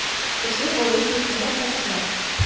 Эше авыр булса да канәгать.